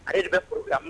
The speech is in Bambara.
A de bɛ programme